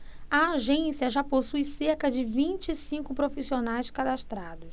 a agência já possui cerca de vinte e cinco profissionais cadastrados